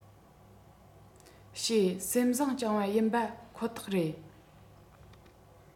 བཤད སེམས བཟང བཅངས པ ཡིན པ ཁོ ཐག རེད